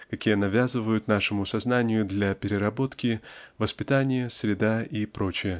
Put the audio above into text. какие навязывают нашему сознанию для переработки воспитание среда и пр.